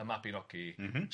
y Mabinogi... M-hm.